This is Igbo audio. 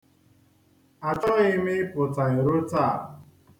Achọghị m ịpụta iro taa.